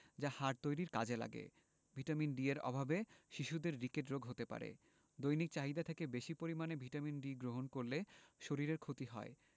যা হাড় তৈরীর কাজে লাগে ভিটামিন ডি এর অভাবে শিশুদের রিকেট রোগ হতে পারে দৈনিক চাহিদা থেকে বেশী পরিমাণে ভিটামিন ডি গ্রহণ করলে শরীরের ক্ষতি হয়